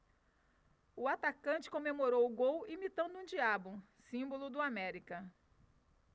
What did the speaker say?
o atacante comemorou o gol imitando um diabo símbolo do américa